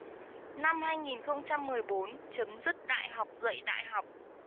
năm hai nghìn không trăm mười bốn chấm dứt đại học dạy đại học